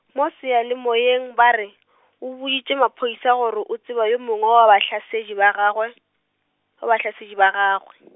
mo seyalemoyeng ba re, o boditše maphodisa gore o tseba yo mongwe wa bahlasedi ba gagwe, wa bahlasedi ba gagwe.